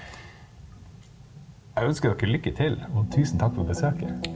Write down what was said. jeg ønsker dere lykke til og tusen takk for besøket.